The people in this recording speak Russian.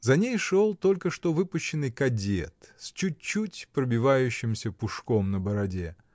За ней шел только что выпущенный кадет, с чуть-чуть пробивающимся пушком на бороде.